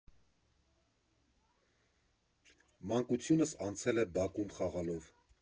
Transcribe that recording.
Մանկությունս անցել է բակում խաղալով։